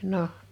no